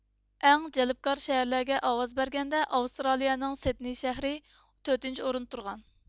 ئەڭ جەلپكار شەھەرلەرگە ئاۋاز بەرگەندە ئاۋىسترالىيىنىڭ سېدنىي شەھىرى تۆتىنچى ئورۇندا تۇرغان